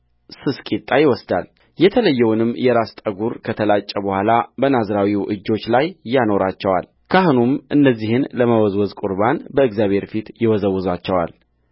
ስስ ቂጣ ይወስዳል የተለየውንም የራስ ጠጕር ከተላጨ በኋላ በናዝራዊው እጆች ላይ ያኖራቸዋልካህኑም እነዚህን ለመወዝወዝ ቍርባን በእግዚአብሔር ፊት ይወዘውዛቸዋል